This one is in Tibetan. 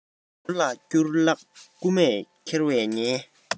ནོར ལ བསྐྱུར བརླག རྐུན མས འཁྱེར བའི ཉེན